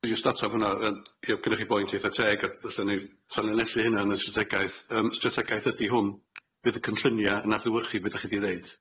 Yy jyst atab hwnna wan ie gynnoch chi boint eitha teg a fysa ni fysa ni'n tanlinnellu hynna yn y strategaeth yym strategaeth ydi hwn fydd y cynllunia yn adlewyrchu be' dach chi di ddeud